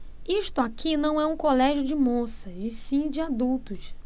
isto aqui não é um colégio de moças e sim de adultos